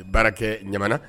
Baarakɛ ɲa